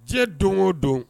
Diyɛn don o don